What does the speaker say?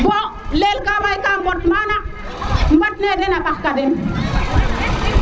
bo o leel ka mbaay ka mbot mana mbat ne den a ɓax ka den